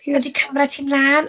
Odi camera ti mlaen?